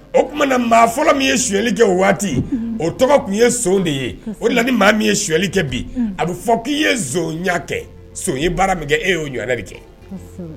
O tuma na maa fɔlɔ min ye suli kɛ o waati o tɔgɔ tun ye son de ye o la ni maa min ye suli kɛ bi a bɛ fɔ k'i ye ɲɛ kɛ son ye baara min kɛ e y'o ɲɔɛ de kɛ